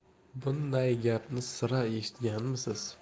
bunday gapni sira eshitganmisiz